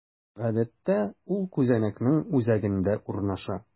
Гадәттә, ул күзәнәкнең үзәгендә урнаша.